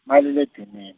kumaliledinin-.